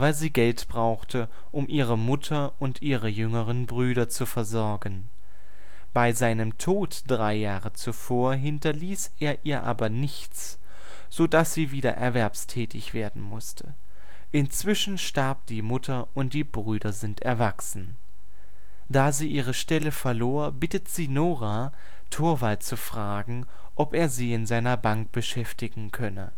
sie Geld brauchte, um ihre Mutter und ihre jüngeren Brüder zu versorgen. Bei seinem Tod drei Jahre zuvor hinterließ er ihr aber nichts, so dass sie wieder erwerbstätig werden musste. Inzwischen starb die Mutter, und die Brüder sind erwachsen. Da sie ihre Stelle verlor, bittet sie Nora, Torvald zu fragen, ob er sie in seiner Bank beschäftigen könne